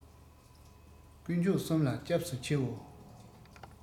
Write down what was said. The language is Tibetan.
ཀུན མཆོག གསུམ ལ སྐྱབས སུ འཆིའོ